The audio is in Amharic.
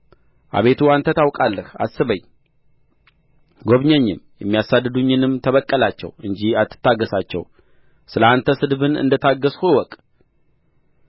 አቤቱ አንተ ታውቃለህ አስበኝ ጐብኘኝም የሚያሳድዱኝንም ተበቀላቸው እንጂ አትታገሣቸው ስለ አንተ ስድብን እንደ ታገሥሁ እወቅ